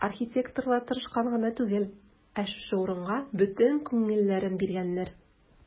Архитекторлар тырышканнар гына түгел, ә шушы урынга бөтен күңелләрен биргәннәр.